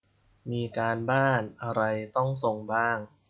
มีการบ้านอะไรต้องส่งบ้าง